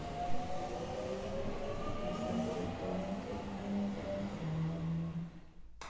изобретательная программа